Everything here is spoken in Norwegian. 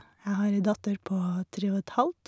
Jeg har ei datter på tre og et halvt.